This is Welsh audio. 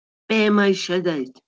Be mae isio ei ddeud?